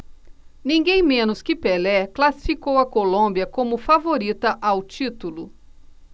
ninguém menos que pelé classificou a colômbia como favorita ao título